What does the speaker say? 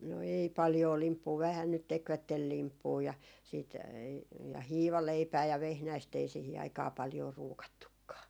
no ei paljoa limppua vähän nyt tekivät limppua ja sitten ja hiivaleipää ja vehnäistä ei siihen aikaa paljoa ruukattukaan